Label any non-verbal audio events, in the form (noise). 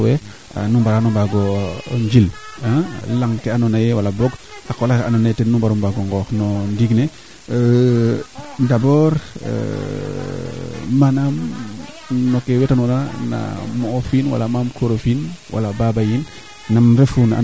(hesitation) ne ndeet tuma koy nee maam miin a mbiyaa kaa yoomb u leye comme parce que o ndeeta nga mene kee na xooxel mene ngaaf xupu meene wala aareer ɓasi tantan yaam maac i mbetan wa teeno ndik rek nda mayee i ndaa tadik keene moom ga'aam de ngoxel meen o qolu xooxena ngaaf ren